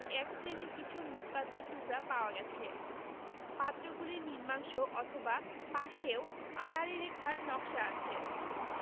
এক শ্রেণির কিছু মৃৎপাত্রের টুকরা পাওয়া গেছে পাত্রগুলির নিম্নাংশ অথবা পাশেও আড়াআড়ি রেখার নকশা আছে